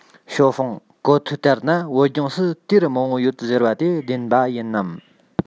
ཞའོ ཧྥུང གོ ཐོས ལྟར ན བོད ལྗོངས སུ གཏེར མང པོ ཡོད ཟེར བ དེ བདེན པ ཡིན ནམ